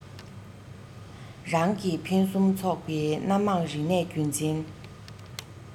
རང གི ཕུན སུམ ཚོགས པའི སྣ མང རིག གནས རྒྱུན འཛིན